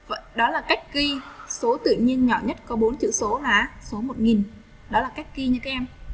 đó là cách ghi số tự nhiên nhỏ nhất có bốn chữ số mã số đó là cái kia kem